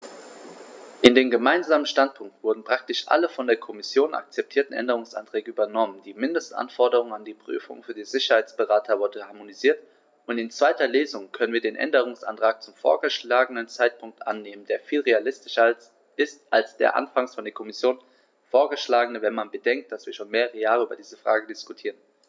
In den gemeinsamen Standpunkt wurden praktisch alle von der Kommission akzeptierten Änderungsanträge übernommen, die Mindestanforderungen an die Prüfungen für die Sicherheitsberater wurden harmonisiert, und in zweiter Lesung können wir den Änderungsantrag zum vorgeschlagenen Zeitpunkt annehmen, der viel realistischer ist als der anfangs von der Kommission vorgeschlagene, wenn man bedenkt, dass wir schon mehrere Jahre über diese Frage diskutieren.